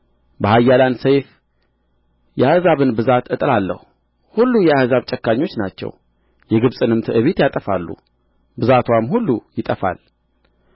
በኃያላን ሰይፍ የሕዝብህን ብዛት እጥላለሁ ሁሉ የአሕዛብ ጨካኞች ናቸው የግበጽንም ትዕቢት ያጠፋሉ ብዛትዋም ሁሉ ይጠፋል